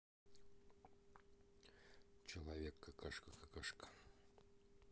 человек какашка какашка